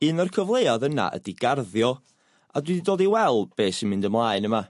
un o'r cyfleuodd yna ydi garddio a dwi 'di dod i weld be' sy'n mynd ymlaen yma.